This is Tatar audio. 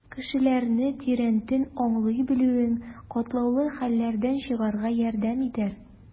Кешеләрне тирәнтен аңлый белүең катлаулы хәлләрдән чыгарга ярдәм итәр.